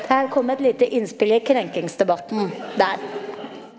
her kom et lite innspill i krenkingsdebatten der.